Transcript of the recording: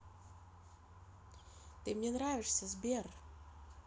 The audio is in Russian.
ты мне нравишься сбер